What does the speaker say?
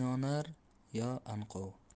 inonar yo anqov